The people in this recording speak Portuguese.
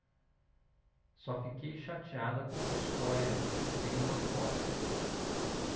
só fiquei chateada com a história de que tem uma foto